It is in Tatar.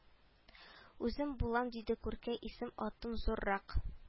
Үзем булам диде күркә исем-атым зуррак